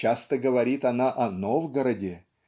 Часто говорит она о Новгороде